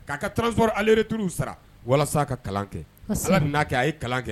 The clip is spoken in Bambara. K'a ka tzsɔrɔ alereturu sara walasa a ka kalan kɛ sira'a kɛ a ye kalan kɛ